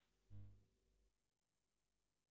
мне так нравится